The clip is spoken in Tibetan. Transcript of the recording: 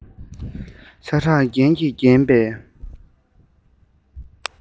ཤ ཁྲག རྒྱན གྱིས བརྒྱན པའི